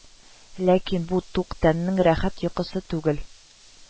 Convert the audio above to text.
Ләкин бу тук тәннең рәхәт йокысы түгел